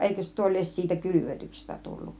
eikös se tuo lie siitä kylvetyksestä tullut